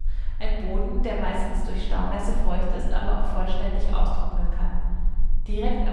der meistens durch Staunässe feucht ist, aber auch vollständig austrocknen kann. Direkt